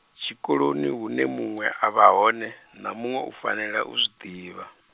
tshikoloni hune muṅwe a vha hone, na muṅwe a fanela u zwi ḓivha.